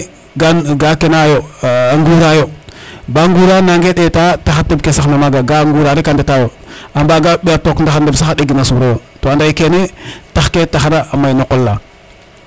parce que a jega wa ando naye ga kene ayo a ŋura yo ba ŋura nange ndeta taxar teɓ ke sax na maga ga ŋure rek a ndeta yo a mbanga ɓeer toog ndaxar ndeɓ sax a ndakin a suroyo to ande kene tax ke taxar a may no qol la